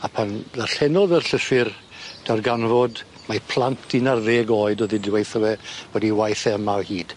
A pan ddarllenodd yr llythyr darganfod mae plant un ar ddeg oed o'dd 'edi weitho fe bod 'i waith e yma o hyd.